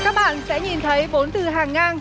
các bạn sẽ nhìn thấy bốn từ hàng ngang